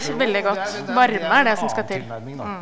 er en annen tilnærming da.